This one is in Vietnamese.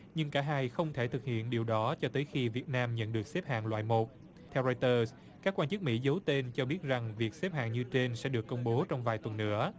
nhưng cả hai không thể thực hiện điều đó cho tới khi việt nam nhận được xếp hạng loại một theo rai tơ các quan chức mỹ giấu tên cho biết rằng việc xếp hạng như trên sẽ được công bố trong vài tuần nữa